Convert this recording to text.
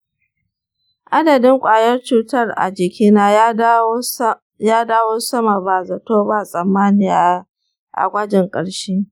adadin ƙwayar cutar a jikina ya dawo sama ba zato ba tsammani a gwajin ƙarshe.